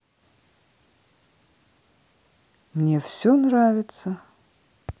мне все нравится